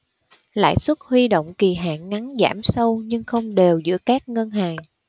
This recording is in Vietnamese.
lãi suất huy động kỳ hạn ngắn giảm sâu nhưng không đều giữa các ngân hàng